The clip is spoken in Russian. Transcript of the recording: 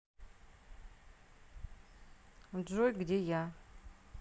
джой где я